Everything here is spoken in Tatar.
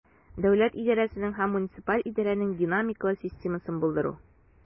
Дәүләт идарәсенең һәм муниципаль идарәнең динамикалы системасын булдыру.